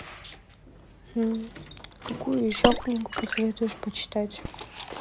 какую еще книгу посоветуешь почитать